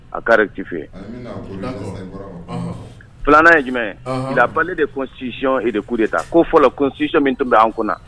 A kati fɛ filanan ye jumɛn lale de ko sisiɔn e de ku de ta ko fɔlɔ ko situ min tun bɛ an kunna